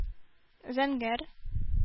Зәңгәр